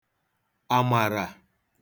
àmàrà